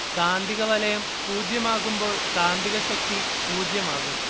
കാന്തിക വലയം പൂജ്യം ആകുമ്പോൾ കാന്തികശക്തി പൂജ്യം ആകും